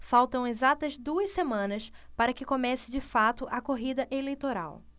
faltam exatas duas semanas para que comece de fato a corrida eleitoral